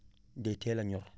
day teel a ñor